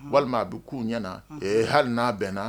Walima a bɛ k' uu ɲɛ hali n'a bɛn nna